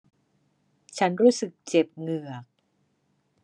ฉันรู้สึกเจ็บเหงือก